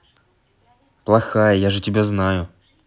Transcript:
плохая я же тебя знаю